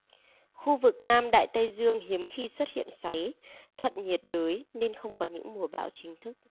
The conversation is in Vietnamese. khu vực nam đại tây dương hiếm khi xuất hiện xoáy thuận nhiệt đới nên không có những mùa bão chính thức